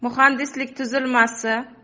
muhandislik tuzilmasi